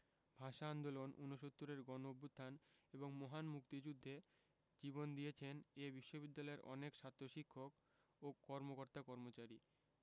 ভাষা আন্দোলন উনসত্তুরের গণঅভ্যুত্থান এবং মহান মুক্তিযুদ্ধে জীবন দিয়েছেন এ বিশ্ববিদ্যালয়ের অনেক ছাত্র শিক্ষক ও কর্মকর্তা কর্মচারী